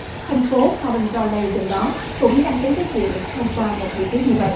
thành phố phao từn va lây gần đó cũng đang tính tới chuyện thông qua một nghị quyết như vậy